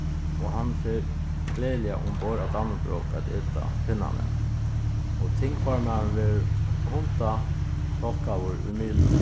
og hann fer gleðiliga umborð á dannebrog at eta pinnamat og tingformaðurin verður í miðlunum